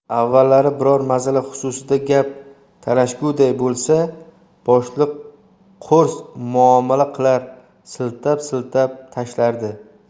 avvallari biron masala xususida gap talashguday bo'lsa boshliq qo'rs muomala qilar siltab siltab tashlardi